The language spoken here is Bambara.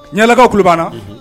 Yaalakaw kulu banna